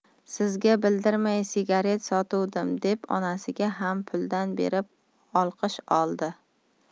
sizga bildirmay sigaret sotuvdim deb onasiga ham puldan berib olqish oldi